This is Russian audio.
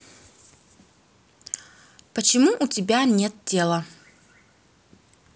почему у тебя нет тела